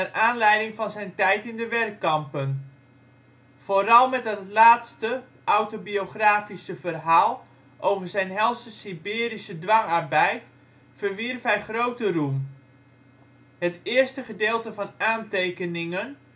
aanleiding van zijn tijd in de werkkampen. Vooral met dat laatste autobiografische verhaal over zijn helse Siberische dwangarbeid verwierf hij grote roem. Het eerste gedeelte van Aantekeningen